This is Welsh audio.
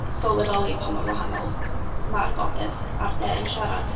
sylweddoli pa mor wahanol ma'r Gogledd a'r De yn siarad.